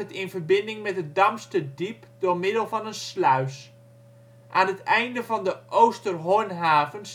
in verbinding met het Damsterdiep door middel van een sluis. Aan het einde van de Oosterhornhaven